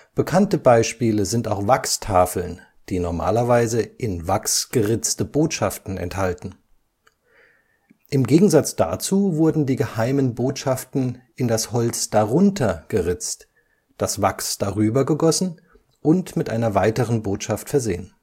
Bekannte Beispiele sind auch Wachstafeln, die normalerweise in Wachs geritzte Botschaften enthalten. Im Gegensatz dazu wurden die geheimen Botschaften in das Holz darunter geritzt, das Wachs darüber gegossen und mit einer weiteren Botschaft versehen